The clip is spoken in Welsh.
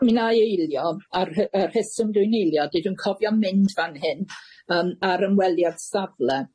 Mi 'na i eilio, a'r rhe- y rheswm dwi'n eilio 'di dwi'n cofio mynd fan hyn yym ar ymweliad safle,